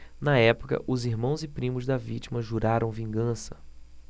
na época os irmãos e primos da vítima juraram vingança